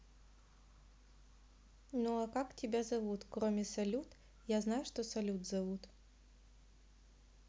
ну а как тебя зовут кроме салют я знаю что салют зовут